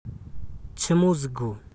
ཆི མོ ཟིག དགོ